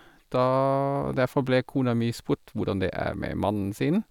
da Derfor ble kona mi spurt hvordan det er med mannen sin.